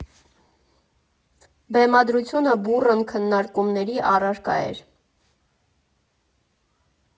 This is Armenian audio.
Բեմադրությունը բուռն քննարկումների առարկա էր.